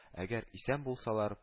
Әгәр исән булсалар